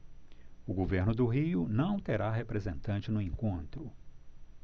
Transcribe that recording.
o governo do rio não terá representante no encontro